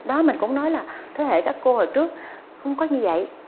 đó mình cũng nói là thế hệ các cô hồi trước hông có như dậy